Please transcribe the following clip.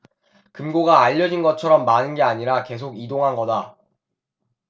금고가 알려진 것처럼 많은 게 아니라 계속 이동한 거다